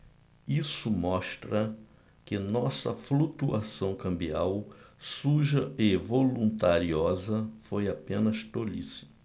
isso mostra que nossa flutuação cambial suja e voluntariosa foi apenas tolice